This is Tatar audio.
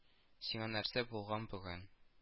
Сиңа нәрсә булган бүген